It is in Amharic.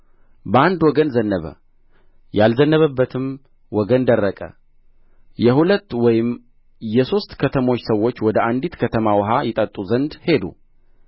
በአንድ ወገን ዘነበ ያልዘነበበትም ወገን ደረቀ የሁለት ወይም የሦስት ከተሞች ሰዎች ወደ አንዲት ከተማ ወኃ ይጠጡ ዘንድ ሄዱ